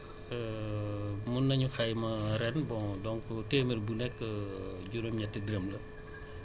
mën nañu xayma ren bon donc téeméer bu nekk juróom-ñetti dërëm la